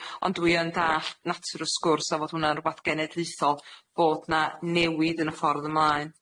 ond dwi yn dalld natur y sgwrs, a fod hwn'na'n rwbath genedlaethol fod 'na newid yn y ffordd ymlaen.